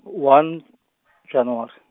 one , January.